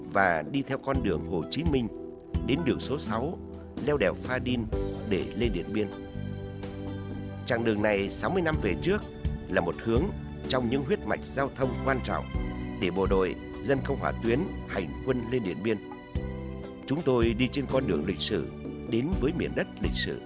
và đi theo con đường hồ chí minh đến đường số sáu leo đèo pha đin để lên điện biên chặng đường này sáu mươi năm về trước là một hướng trong những huyết mạch giao thông quan trọng để bộ đội dân công hỏa tuyến hành quân lên điện biên chúng tôi đi trên con đường lịch sử đến với miền đất lịch sử